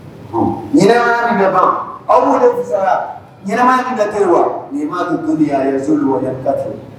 Ɲɛna aw wele ɲma tatɛ wa ni ma ko so